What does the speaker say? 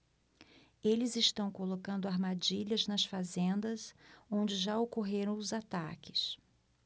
eles estão colocando armadilhas nas fazendas onde já ocorreram os ataques